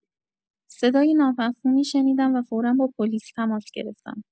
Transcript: صدای نامفهومی شنیدم و فورا با پلیس تماس گرفتم.